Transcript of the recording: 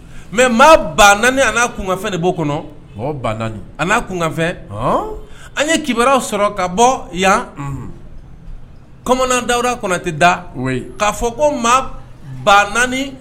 Mɛ maa baa kunkan de kɔnɔ kunkan an ye kibaruyaw sɔrɔ ka bɔ yan dawura kɔnɔ tɛ da k'a fɔ ko maa ba naani